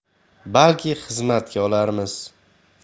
balki xizmatga olarmiz